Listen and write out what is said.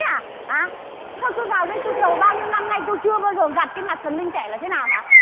à hả sao tôi vào đây tôi chầu bao nhiêu năm nay tôi chưa bao giờ gặp cái mặt thần linh trẻ là thế nào hả